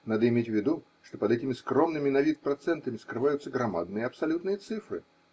Надо иметь в виду, что под этими скромными на вил процентами скрываются громадные абсолютные цифры.